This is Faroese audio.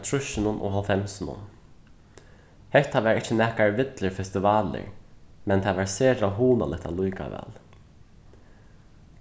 trýssunum og hálvfemsunum hetta var ikki nakar villur festivalur men tað var sera hugnaligt allíkavæl